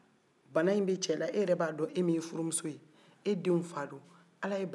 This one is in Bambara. ala ye bana in se a ma